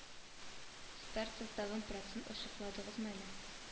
Старт составын процент ачыкладыгызмы әле